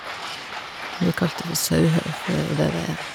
Men vi kalte det for sauhau, for det er jo det det er.